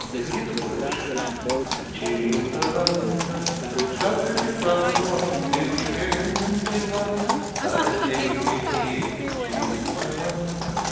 তিনি কিন্তু করে বসে আছেন চিত্তরঞ্জন স্বদেশের প্রাণ ও মন ত্যাজিলেন জীবন দার্জিলিং এ গিয়ে চিত্তরঞ্জন